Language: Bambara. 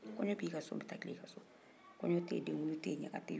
kɔɲɔ tɛ yen denkunli tɛ yen ɲaga tɛ yen fin tɛ yen jɛ tɛ yen n bɛ taa tilen i ka so mun na